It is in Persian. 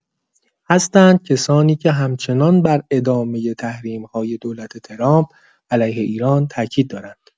هستند کسانی که همچنان بر ادامه تحریم‌های دولت ترامپ علیه ایران تاکید دارند.